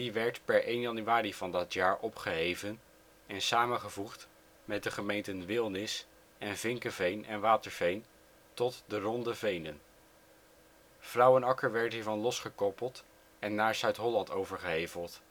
werd per 1 januari van dat jaar opgeheven en samengevoegd met de gemeenten Wilnis en Vinkeveen en Waverveen tot De Ronde Venen. Vrouwenakker werd hiervan losgekoppeld en naar Zuid-Holland overgeheveld